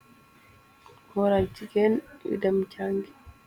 Goor ak jigéen yu dem jangee.